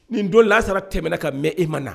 Nin don lasara tɛmɛna ka mɛn e ma na